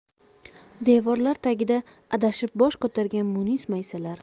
devorlar tagida adashib bosh ko'targan munis maysalar